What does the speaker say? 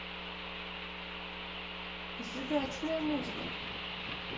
зажигательная музыка